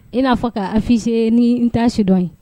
I n'a fɔ'fisise ni n tɛsidɔn ye